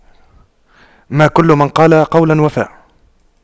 ما كل من قال قولا وفى